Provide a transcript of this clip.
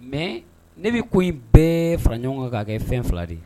Mais ne bɛ ko in bɛɛ fara ɲɔgɔn kan k'a kɛ ko fɛn 2 de ye